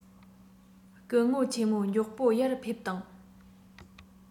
སྐུ ངོ ཆེན མོ མགྱོགས པོ ཡར ཕེབས དང